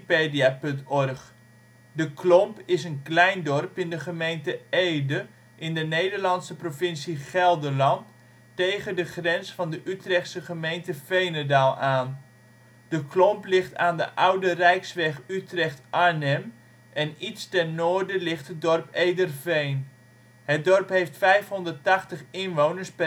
34 ' OL De Klomp Plaats in Nederland Situering Provincie Gelderland Gemeente Ede Coördinaten 52° 3′ NB, 5° 34′ OL Algemeen Inwoners (1-1-2006) 580 Portaal Nederland De Klomp is een klein dorp in de gemeente Ede, in de Nederlandse provincie Gelderland, tegen de grens van de Utrechtse gemeente Veenendaal aan. De Klomp ligt aan de oude rijksweg Utrecht-Arnhem en iets ten noorden ligt het dorp Ederveen. Het dorp heeft 580 (2006) inwoners. Het